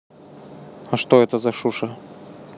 а что это за шуша